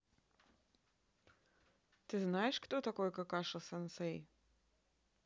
ты знаешь кто такой какаши сенсей